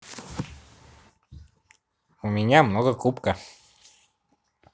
у меня много кубка